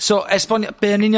So, esbonio, be' yn union